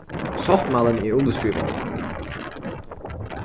sáttmálin er undirskrivaður